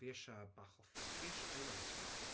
Fi isie bach o ffeit. Fi isi- I want a scorpio.